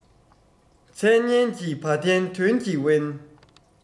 མཚན སྙན གྱི བ དན དོན གྱིས དབེན